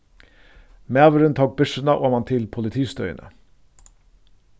maðurin tók byrsuna oman til politistøðina